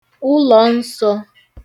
ụlọ̀ nsọ̄